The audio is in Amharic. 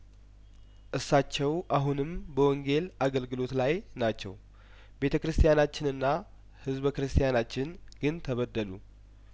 እሳቸው አሁንም በወንጌል አገልግሎት ላይ ናቸው ቤተ ክርስቲያናችንና ህዝበ ክርስቲያናችን ግን ተበደሉ